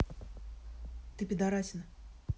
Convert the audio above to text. ты пидарасина